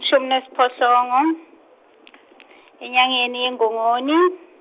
shumi nesiphohlongo enyangeni yeNgongoni.